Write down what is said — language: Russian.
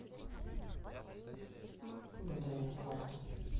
гадания карты